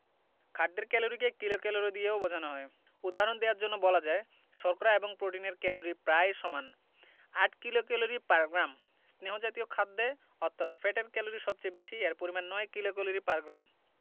খাদ্যের ক্যালরিকে কিলোক্যালরি দিয়েও বোঝানো হয় উদাহরণ দেয়ার জন্যে বলা যায় শর্করা এবং প্রোটিনের ক্যালরি প্রায় সমান ৮ কিলোক্যালরি পার গ্রাম স্নেহ জাতীয় খাদ্যে অর্থাৎ ফ্যাটের ক্যালরি সবচেয়ে বেশি এর পরিমান ৯ কিলোক্যালরি পার গ্রাম